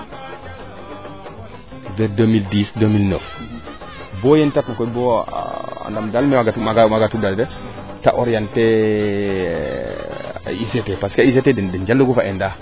des 2010 2009 bo yeen te retna koy bo anaam daal maaga waagatu dey te orienté ay UGT parce UGT den njaloogu fo ENDA